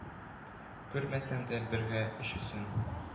Күрмәсәм дә бергә өчесен,